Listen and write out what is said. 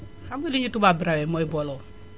xam nga li ñu tubaab bi rawee mooy booloo